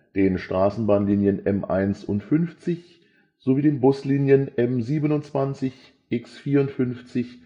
den Straßenbahnlinien M1 und 50, sowie den Buslinien M27, X54